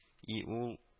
И ул